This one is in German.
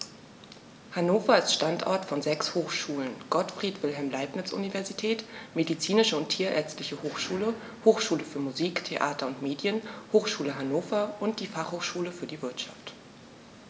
Hannover ist Standort von sechs Hochschulen: Gottfried Wilhelm Leibniz Universität, Medizinische und Tierärztliche Hochschule, Hochschule für Musik, Theater und Medien, Hochschule Hannover und die Fachhochschule für die Wirtschaft.